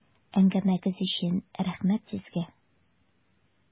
Әңгәмәгез өчен рәхмәт сезгә!